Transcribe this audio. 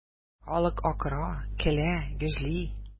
Халык акыра, көлә, гөжли.